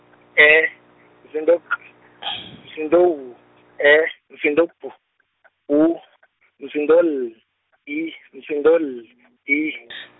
E, umsindvo K, umsindvo W, E umsindvo B , U umsindvo L, I umsindvo L, I .